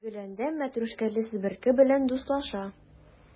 Гөләндәм мәтрүшкәле себерке белән дуслаша.